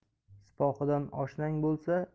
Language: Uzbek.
sipohidan oshnang bo'lsa